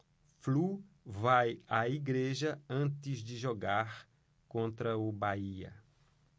flu vai à igreja antes de jogar contra o bahia